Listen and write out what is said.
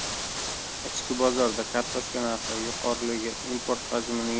ichki bozorda kartoshka narxi yuqoriligi import hajmini